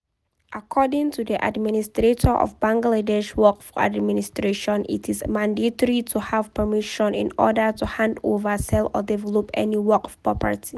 According to the administrator of Bangladesh's Waqf Administration, it is mandatory to have permission in order to hand over, sell or develop any Waqf property.